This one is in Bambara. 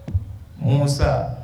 Musa